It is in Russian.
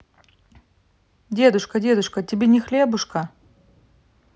дедушка дедушка тебе не хлебушка